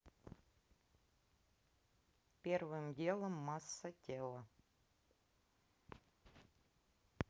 первым делом масса тела